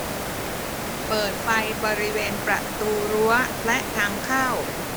เปิดไฟบริเวณประตูรั้วและทางเข้า